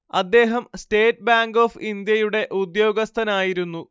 അദ്ദേഹം State Bank of ഇന്ത്യയുടെ ഉദ്യ്യോഗസ്ഥനായിരുന്നു